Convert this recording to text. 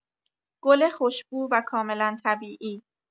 گل خوشبو و کاملا طبیعی